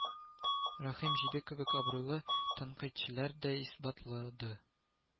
Рәхим җиде кебек абруйлы тәнкыйтьчеләр дә исбатлады